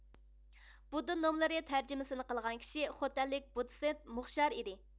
بۇددا نوملىرى تەرجىمىسىنى قىلغان كىشى خوتەنلىك بۇددىست موغشار ئىدى